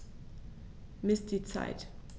Miss die Zeit.